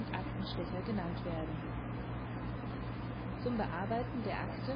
Aktenstecher genannt werden. Zum Bearbeiten der Akte